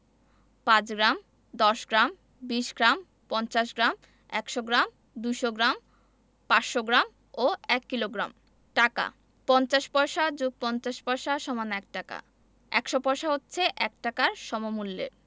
৫ gram ১০গ্ৰাম ২০ gram ৫০ gram ১০০ gram ২০০ gram ৫০০ gram ও ১ kilogram taka ৫০ paisa + ৫০ paisa = ১ taka ১০০ paisa হচ্ছে ১ টাকার সমমূল্যের